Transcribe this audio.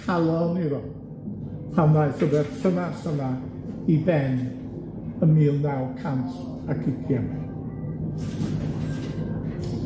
calon iddo, pan ddaeth y berthynas yma i ben ym mil naw cant ac ugian.